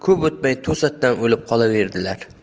ko'p o'tmay to'satdan o'lib qolaverdilar